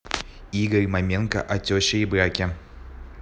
игорь маменко о теще и браке